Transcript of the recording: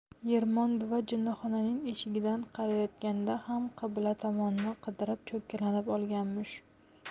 ermon buva jinnixonaning eshigidan kirayotganda ham qibla tomonni qidirib cho'kkalab olganmish